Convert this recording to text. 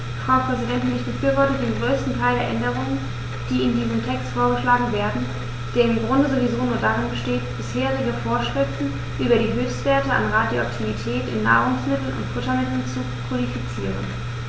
Frau Präsidentin, ich befürworte den größten Teil der Änderungen, die in diesem Text vorgeschlagen werden, der im Grunde sowieso nur darin besteht, bisherige Vorschriften über die Höchstwerte an Radioaktivität in Nahrungsmitteln und Futtermitteln zu kodifizieren.